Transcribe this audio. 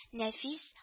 Нәфис